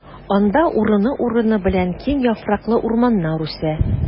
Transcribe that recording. Анда урыны-урыны белән киң яфраклы урманнар үсә.